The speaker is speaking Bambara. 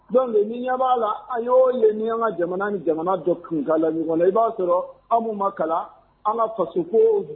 Jɔn ni ɲɛ b'a la an y'o ye ni an ka jamana ni jamana dɔ kunkan la ɲɔgɔn i b'a sɔrɔ an ma kalan an faso ko